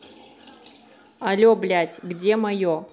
але блядь где мое